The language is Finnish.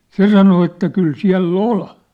se sanoi että kyllä siellä oli